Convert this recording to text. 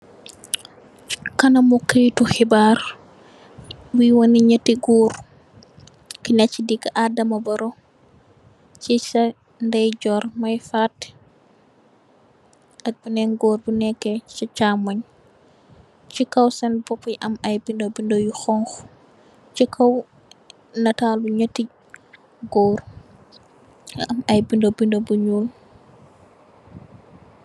Kanamu kayit xibaar buy wane ñatti goor, ki ne ci diggë Adama Barrow, Ki neekë ci ndeyjoor muy Faat, ki nëëk ci chaamoy. Ci kow seen boop mu am bindë bindë yu xoñxu, ci kow nataal bi ñetti goor, am ay bindë bindë bu ñuul